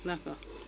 d' accord